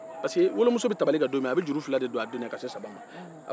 pariske wolomuso bɛ tabali kan don min a bɛ juru fila don a den na ka se saba